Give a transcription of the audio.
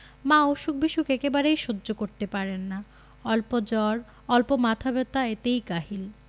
মা অসুখ বিসুখ একেবারেই সহ্য করতে পারেন না অল্প জ্বর অল্প মাথা ব্যাথা এতেই কাহিল